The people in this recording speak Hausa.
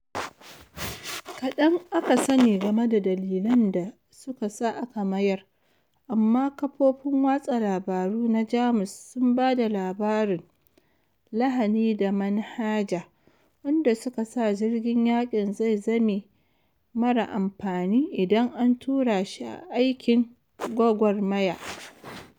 Kadan aka sani game da dalilan da suka sa aka mayar, amma kafofin watsa labaru na Jamus sun ba da labarin "lahani da manhaja" wanda suka sa jirgin yakin zai zame marar amfani idan an tura shi a aikin gwagwarmaya.